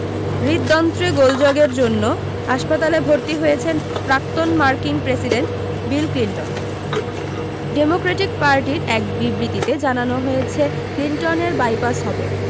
হৃদ্যন্ত্রে গোলযোগের জন্য হাসপাতালে ভর্তি হয়েছেন প্রাক্তন মার্কিন প্রেসিডেন্ট বিল ক্লিন্টন ডেমোক্র্যাটিক পার্টির এক বিবৃতিতে জানানো হয়েছে ক্লিন্টনের বাইপাস হবে